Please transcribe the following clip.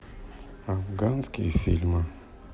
афганские фильмы